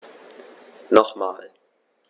Nochmal.